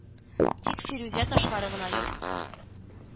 Тик фирүзә ташлары гына юк